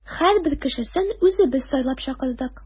Һәрбер кешесен үзебез сайлап чакырдык.